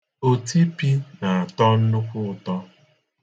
Otipi na-atọ nnukwu ụtọ.